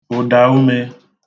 ụ̀dàume